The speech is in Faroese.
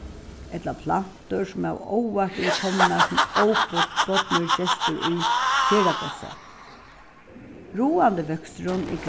ella plantur sum av óvart eru komnar sum bodnir gestir í ferðagóðsi ráðandi vøksturin er